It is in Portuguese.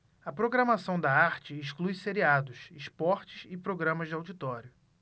a programação da arte exclui seriados esportes e programas de auditório